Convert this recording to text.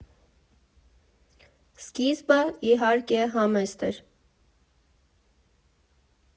Սկիզբը, իհարկե, համեստ էր։